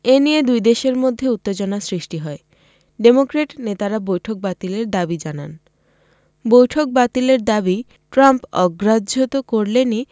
এ নিয়ে দুই দেশের মধ্যে উত্তেজনা সৃষ্টি হয় ডেমোক্র্যাট নেতারা বৈঠক বাতিলের দাবি জানান বৈঠক বাতিলের দাবি ট্রাম্প অগ্রাহ্য তো করলেনই